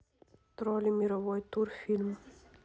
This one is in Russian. тролли мировой тур фильм